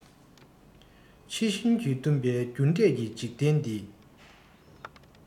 ཕྱི ཤུན གྱིས བཏུམ པའི རྒྱུ འབྲས ཀྱི འཇིག རྟེན འདི